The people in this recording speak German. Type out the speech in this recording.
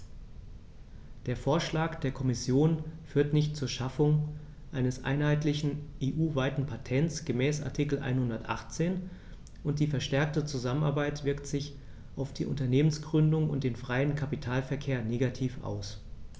Der Vorschlag der Kommission führt nicht zur Schaffung eines einheitlichen, EU-weiten Patents gemäß Artikel 118, und die verstärkte Zusammenarbeit wirkt sich auf die Unternehmensgründung und den freien Kapitalverkehr negativ aus.